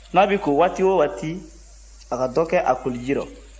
n'a b'i ko waati o waati a ka dɔ kɛ a koliji rɔ